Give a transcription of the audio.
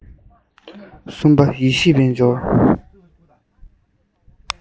སུམ པ ཡེ ཤེས དཔལ འབྱོར